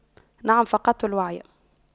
نعم فقدت الوعي